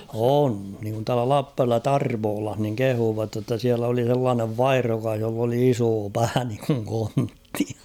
on niin kuin tuolla Lappajärvellä Tarvolassa niin kehuivat jotta siellä oli sellainen vaihdokas jolla oli iso pää niin kuin kontti